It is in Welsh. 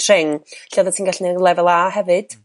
Tring lle odda ti'n gallu 'neud lefel a hefyd